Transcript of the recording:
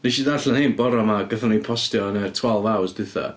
Wnes i ddarllen hein bore 'ma, a gaethon nhw eu postio yn y twelve hours dwytha.